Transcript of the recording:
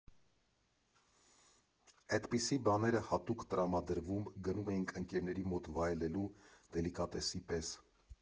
Էդպիսի բաները հատուկ տրամադրվում, գնում էինք ընկերների մոտ վայելելու, դելիկատեսի պես։